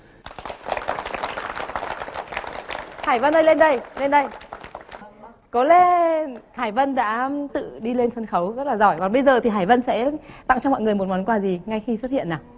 hải vân ơi lên đây lên đây cố lên hải vân đã tự đi lên sân khấu rất là giỏi còn bây giờ thì hải vân sẽ tặng cho mọi người một món quà gì ngay khi xuất hiện nào